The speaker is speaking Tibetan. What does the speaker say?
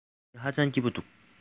གནམ གཤིས ཧ ཅང སྐྱིད པོ འདུག